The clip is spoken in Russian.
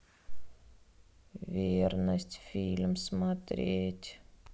верность фильм смотреть